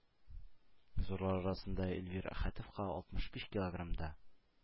Зурлар арасында Эльвир Әхәтовка алтмыш биш килограммда